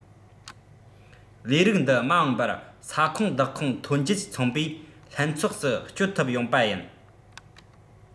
ལས རིགས འདི མ འོངས པར ས ཁང བདག ཁོངས ཐོན འབྱེད ཚོང པས ལྷན ཚོགས སུ སྐྱོད ཐུབ ཡོང པ ཡིན